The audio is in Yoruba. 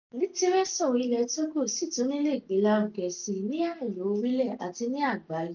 Litiréṣọ̀ ilẹ̀ Togo sì tún nílò ìgbélárugẹ síi ní àyè orílẹ̀ àti ní àgbáyé.